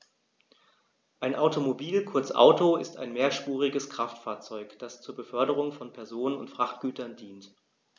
Ein Automobil, kurz Auto, ist ein mehrspuriges Kraftfahrzeug, das zur Beförderung von Personen und Frachtgütern dient.